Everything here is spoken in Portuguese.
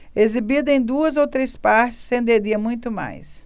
exibida em duas ou três partes renderia muito mais